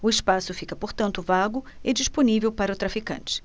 o espaço fica portanto vago e disponível para o traficante